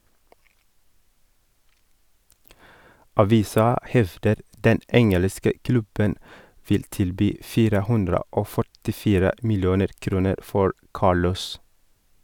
Avisa hevder den engelske klubben vil tilby 4 44 millioner kroner for Carlos.